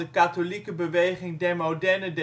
katholieke beweging der moderne